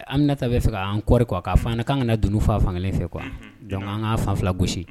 Anminata bɛ fɛ'an kɔri kɔ k'a fɔ k' kan ka dunun faa fankelen fɛ kuwa dɔnku an ka fan fila gosi